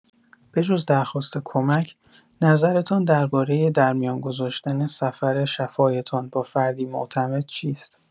به‌جز درخواست کمک، نظرتان درباره در میان گذاشتن سفر شفایتان با فردی معتمد چیست؟